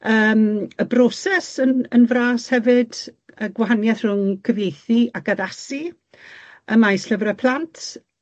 Yym y broses yn yn fras hefyd, y gwahanieth rhwng cyfieithu ac addasu ym maes llyfre plant.